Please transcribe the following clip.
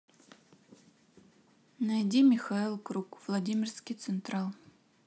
найди михаил круг владимирский централ